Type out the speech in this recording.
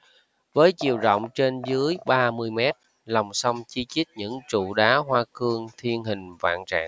với chiều rộng trên dưới ba mươi mét lòng sông chi chít những trụ đá hoa cương thiên hình vạn trạng